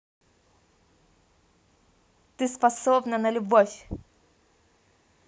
ты способна на любовь